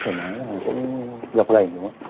gập ghềnh